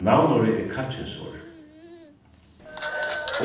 navnorðið er kallkynsorð